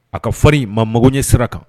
A ka fa ma mago ɲɛ sira kan